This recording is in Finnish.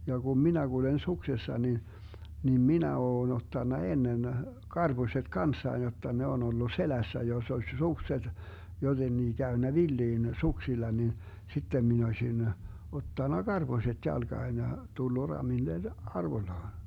ja kun minä kuljen suksessa niin niin minä olen ottanut ennen karpuset kanssani jotta ne on ollut selässä jos olisi sukset jotenkin käynyt villiin suksilla niin sitten minä olisin ottanut karposet jalkaan ja tullut ramille arvollaan